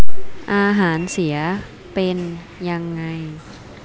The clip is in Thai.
อาหารเสียเป็นยังไง